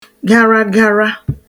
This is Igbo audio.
garagara